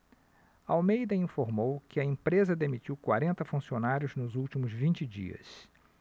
almeida informou que a empresa demitiu quarenta funcionários nos últimos vinte dias